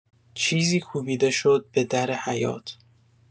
چیزی کوبیده شد به در حیاط